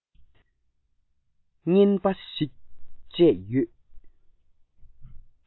རྔན པ ཞིག སྤྲད ཡོང